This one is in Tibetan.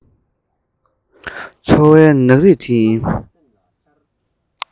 ཚོར བའི ནག རིས དེ ཡིན